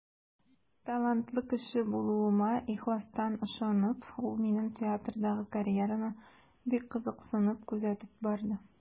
Талантлы кеше булуыма ихластан ышанып, ул минем театрдагы карьераны бик кызыксынып күзәтеп барды.